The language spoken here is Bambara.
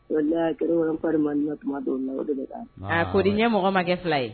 Ko ma tumadenw na o kodi ye mɔgɔ ma kɛ fila ye